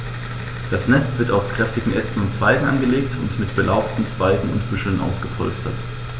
Das Nest wird aus kräftigen Ästen und Zweigen angelegt und mit belaubten Zweigen und Büscheln ausgepolstert.